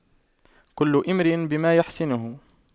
كل امرئ بما يحسنه